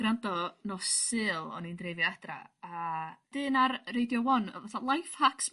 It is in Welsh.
grando nos Sul o'n i'n dreifio adra a dyn ar Radio One o fatha life hacks